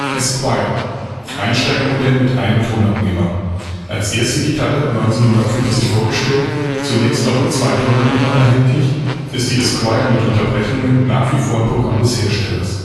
Esquire – Einsteigermodell mit einem Tonabnehmer. Als erste Gitarre 1950 vorgestellt - zunächst auch mit zwei Tonabnehmern erhältlich -, ist die Esquire mit Unterbrechungen nach wie vor im Programm des Herstellers